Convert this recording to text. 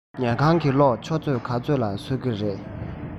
ཉལ ཁང གི གློག ཆུ ཚོད ག ཚོད ལ གསོད ཀྱི རེད